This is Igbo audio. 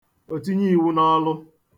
òtinyeīwūnọ̄lụ̄